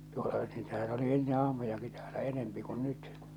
tuota niitähän oli ennen ahmojakin täällä enemmän kuin nyt